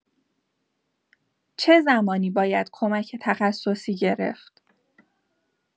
چه زمانی باید کمک تخصصی گرفت؟